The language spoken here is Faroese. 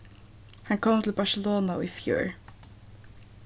hann kom til barcelona í fjør